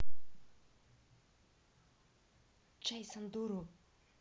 джейсон дуру